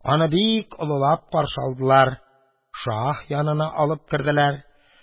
Аны бик олылап каршы алдылар, шаһ янына алып керделәр.